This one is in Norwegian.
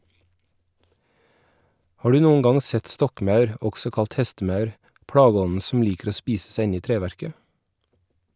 Har du noen gang sett stokkmaur, også kalt hestemaur, plageånden som liker å spise seg inn i treverket?